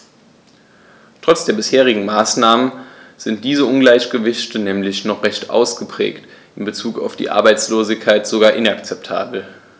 Trotz der bisherigen Maßnahmen sind diese Ungleichgewichte nämlich noch recht ausgeprägt, in bezug auf die Arbeitslosigkeit sogar inakzeptabel.